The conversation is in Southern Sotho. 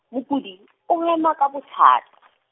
mokudi , o hema ka bothata.